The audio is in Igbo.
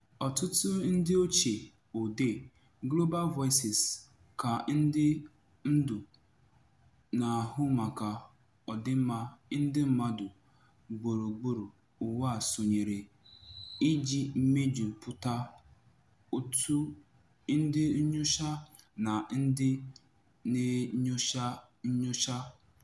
Ọtụtụ ndị ochie odee Global Voices ka ndị ndú na-ahụ maka ọdịmma ndị mmadụ gburugburu ụwa sonyeere iji mejupụta òtù ndị nnyocha na ndị na-enyocha nnyocha.